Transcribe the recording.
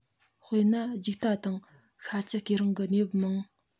དཔེར ན རྒྱུག རྟ དང ཤྭ ཁྱི སྐེད རིང གི གནས བབ ནང